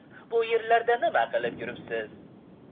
bu yerlarda nima qilib yuribsiz